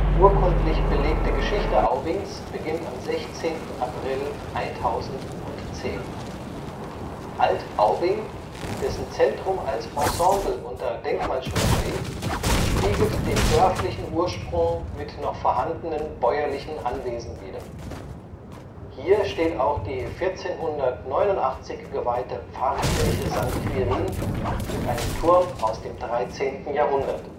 urkundlich belegte Geschichte Aubings beginnt am 16. April 1010. Alt-Aubing, dessen Zentrum als Ensemble unter Denkmalschutz steht, spiegelt den dörflichen Ursprung mit noch vorhandenen bäuerlichen Anwesen wider. Hier steht auch die 1489 geweihte Pfarrkirche St. Quirin mit einem Turm aus dem 13. Jahrhundert